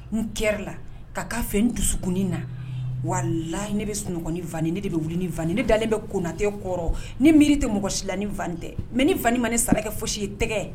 N kɛra la ka'a fɛ dusuugunin na wa la ne bɛ sunɔgɔin ne de bɛ wuli ni faini ne dalen bɛ konatɛ kɔrɔ ni miiri tɛ mɔgɔ si la ni fain tɛ mɛ ni fain ma ne saraka foyisi ye tɛgɛ